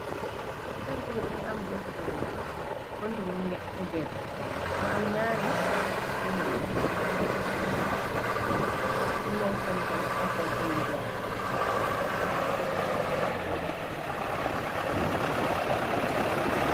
Kërr bi mougui am bëntu nyul bentu mangi obeku ma am gñaari ne yoon tabax ñu leen pentër ay pentar yi weex.